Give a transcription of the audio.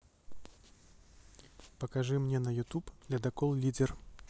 покажи мне на ютуб ледокол лидер